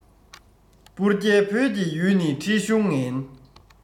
པུར རྒྱལ བོད ཀྱི ཡུལ ནི ཁྲེལ གཞུང ངན